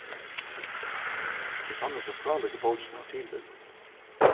eg fann hesa frálíku bókina av tilvild